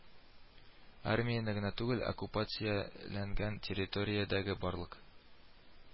Армияне генә түгел, оккупацияләнгән территориядәге барлык